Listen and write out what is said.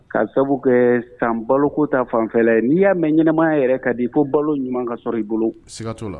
Ka sabu kɛ san balokota fanfɛ n'i y'a mɛn ɲɛnaɛnɛmaya yɛrɛ ka di i fɔ balo ɲuman ka sɔrɔ i bolo sigaka la